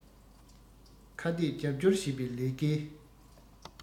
ཁ གཏད རྒྱབ སྐྱོར བྱེད པའི ལས ཀའི